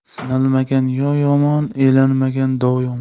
sinalmagan yov yomon elanmagan dov yomon